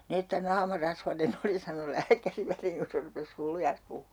niin että naama rasvainen oli sanoi lääkäri väliin kun se rupesi hullujansa puhumaan